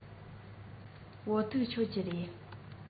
བོད ཐུག མཆོད ཀྱི རེད